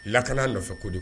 Lak nɔfɛ ko de